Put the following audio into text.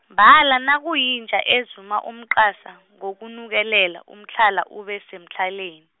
mbala nakuyinja ezuma umqasa, ngokunukelela, umtlhala ube semtlhaleni.